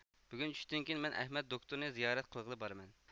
بۈگۈن چۈشتىن كېيىن مەن ئەھمەد دوكتۇرنى زىيارەت قىلغىلى بارىمەن